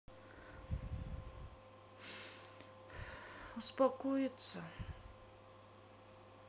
успокоиться